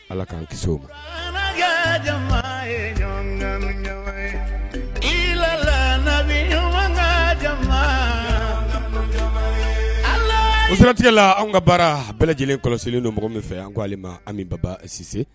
Ala k'an katigɛ la an ka baara bɛɛ lajɛlen kɔlɔsi don mɔgɔ min fɛ an k koale an babasise